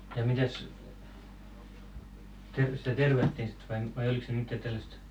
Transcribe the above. ja mitäs sitä tervattiin sitten vai niin vai oliko siinä mitään tällaista